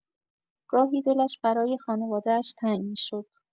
گاهی دلش برای خانواده‌اش تنگ می‌شد.